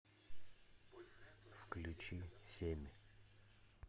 включи семь